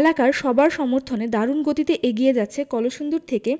এলাকার সবার সমর্থনে দারুণ গতিতে এগিয়ে যাচ্ছে কলসিন্দুর থেকে